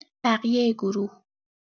بقیه گروه